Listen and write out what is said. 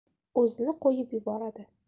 o'zini qo'yib yuboradi